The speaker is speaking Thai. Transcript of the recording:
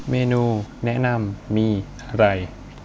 เมนูแนะนำมีอะไร